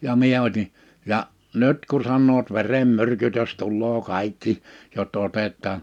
ja minä otin ja nyt kun sanovat verenmyrkytys tulee kaikki jos otetaan